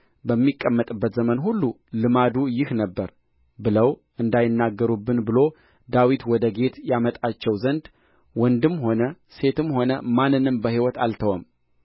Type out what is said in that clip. በሚቀመጥበት ዘመን ሁሉ ልማዱ ይህ ነበረ ብለው እንዳይናገሩብን ብሎ ዳዊት ወደ ጌት ያመጣቸው ዘንድ ወንድም ሆነ ሴትም ሆነ ማንንም በሕይወት አልተወም